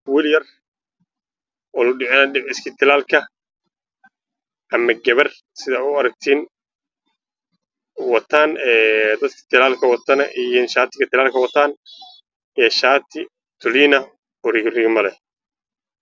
Waa cunug lagu dhibcinaayo dhibciska talaalka